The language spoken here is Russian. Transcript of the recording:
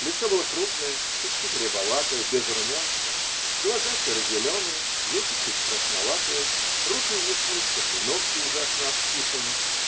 Лицо было крупное, чуть-чуть рябоватое, без румянца, глаза серо-зеленые, веки чуть красноватые, руки в веснушках и ногти ужасно обкусаны